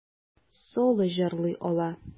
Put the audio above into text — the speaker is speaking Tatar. Соло җырлый ала.